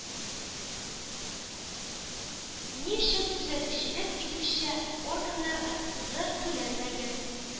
Ни өчен күзәтчелек итүче органнар акцизы түләнмәгән